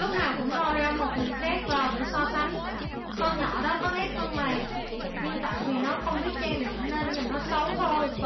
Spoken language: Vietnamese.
lúc nào cũng lôi một người khác vào để so sánh con nhỏ đó có nét hơn mày nhưng tại nó không biết trang điểm nên nhìn nó xấu thôi